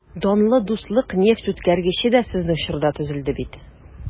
Данлы «Дуслык» нефтьүткәргече дә сезнең чорда төзелде бит...